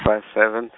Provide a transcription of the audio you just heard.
five seven.